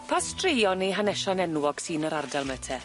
Pa straeon neu hanesion enwog sy'n yr ardal 'my te?